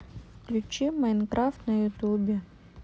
включи майнкрафт на ютубе